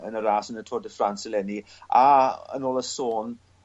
yn y ras yn y Tour de France eleni a yn ôl y sôn